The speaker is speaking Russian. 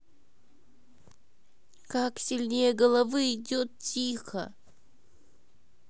как сильнее головы идет тихо